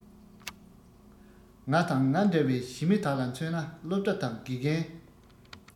ང དང ང འདྲ བའི ཞི མི དག ལ མཚོན ན སློབ གྲྭ དང དགེ རྒན